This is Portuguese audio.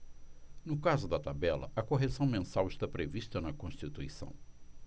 no caso da tabela a correção mensal está prevista na constituição